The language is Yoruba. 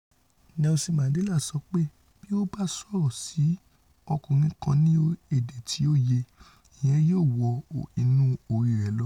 Nelson Mandela sọ pé: ''Bí o bá sọ̀rọ̀ sí ọkùnrin kan ní èdè tí ó yé e, ìyẹn yóò wọ inú orí rẹ lọ.